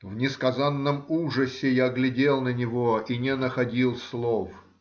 В несказанном ужасе я глядел на него и не находил слов.